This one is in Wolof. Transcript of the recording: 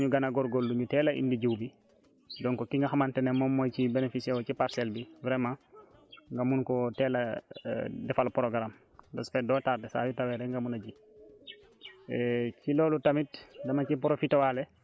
donc xam naa ni année prochaine xam naa dinañu gën a góorgóorlu ñu teel a indi jiw bi donc ki nga xamante ne moom moo ciy bénéficié wu ci parcelle bi vraiment nga mun koo teel a defal programme de ce fait doo tarde saa yu tawee rek nga mun a ji